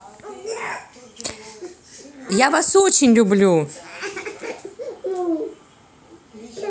я вас очень люблю